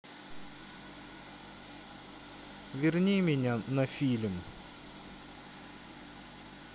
верни меня на фильм